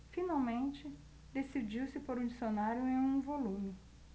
finalmente decidiu-se por um dicionário em um volume